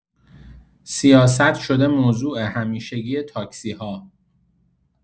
سیاست شده موضوع همیشگی تاکسی‌ها.